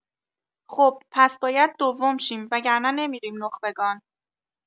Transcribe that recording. خب پس باید دوم شیم وگرنه نمی‌ریم نخبگان